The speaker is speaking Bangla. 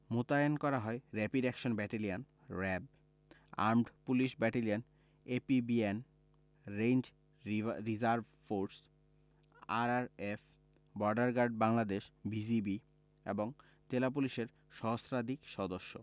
মোতায়েন করা হয় rapid action battalion RAB armed police battalion APBN range reserve force RRF border guard Bangladesh BGB এবং জেলা পুলিশের সহস্রাধিক সদস্য